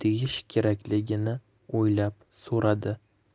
deyish kerakligini o'ylab so'radi